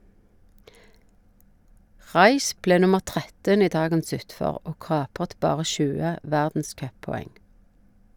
Raich ble nummer 13 i dagens utfor, og kapret bare 20 verdenscuppoeng.